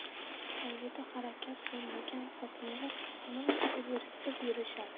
hovlida harakat so'nmagan xotinlar hamon ivirsib yurishadi